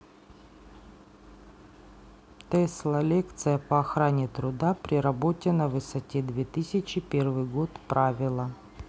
tesla лекция по охране труда при работе на высоте две тысячи первый год правила